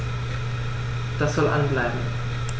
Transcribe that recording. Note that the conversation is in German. Das soll an bleiben.